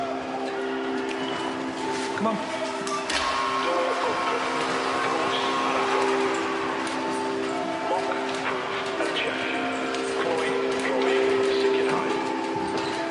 C'mon. Door open. Drws ar agor. Lock, proove and check. Cloi, profi, sicirhau.